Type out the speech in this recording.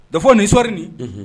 Defo ni histoire nin unhun